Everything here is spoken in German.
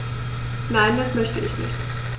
Nein, das möchte ich nicht.